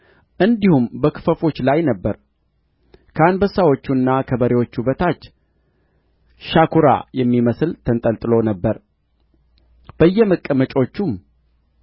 እንዲሁም በክፈፎቹ ላይ ነበረ ከአንበሳዎቹና ከበሬዎቹ በታች ሻኵራ የሚመስል ተንጠልጥሎ ነበር በየመቀመጫዎቹም